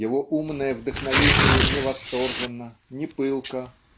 Его умное вдохновение не восторженно, не пылко,